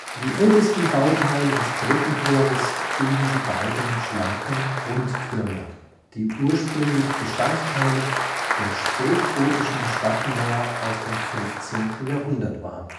Die ältesten Bauteile des Brückentores bilden die beiden schlanken Rundtürme, die ursprünglich Bestandteile der spätgotischen Stadtmauer aus dem 15. Jahrhundert waren